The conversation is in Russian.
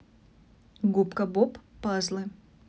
губка боб пазлы